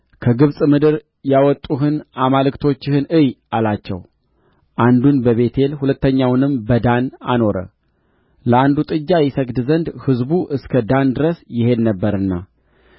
ከግብጽ ምድር ያወጡህን አማልክቶችህን እይ አላቸው አንዱን በቤቴል ሁለተኛውንም በዳን አኖረ ለአንዱ ጥጃ ይሰግድ ዘንድ ሕዝቡ እስከ ዳን ድረስ ይሄድ ነበርና